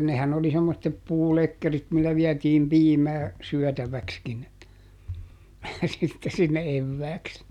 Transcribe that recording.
nehän oli semmoiset puulekkerit millä vietiin piimää syötäväksikin sitten sinne evääksi